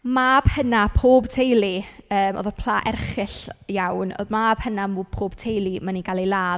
Mab hyna' pob teulu yym efo y pla erchyll iawn. Oedd mab hyna mw- pob teulu mynd i gael ei ladd.